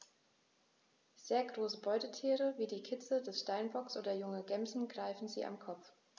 Sehr große Beutetiere wie Kitze des Steinbocks oder junge Gämsen greifen sie am Kopf.